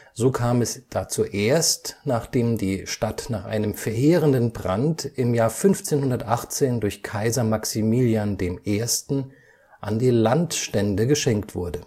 So kam es dazu erst, nachdem die Stadt nach einem verheerenden Brand im Jahr 1518 durch Kaiser Maximilian I. an die Landstände geschenkt wurde